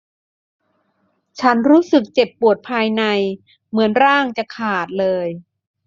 ฉันรู้สึกเจ็บปวดภายในเหมือนร่างจะขาดเลย